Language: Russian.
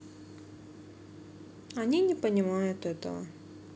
они не понимают этого